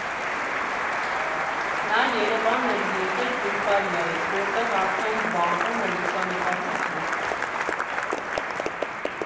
Նա Երևան էր եկել Բուլղարիայից, որտեղ արդեն զբաղվում էր լուսանկարչությամբ։